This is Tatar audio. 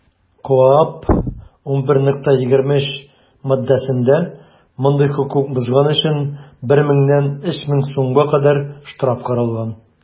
КоАП 11.23 маддәсендә мондый хокук бозган өчен 1 меңнән 3 мең сумга кадәр штраф каралган.